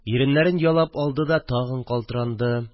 Иреннәрен ялап алды да, тагын калтыранды